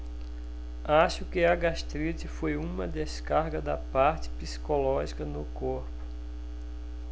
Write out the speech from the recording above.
acho que a gastrite foi uma descarga da parte psicológica no corpo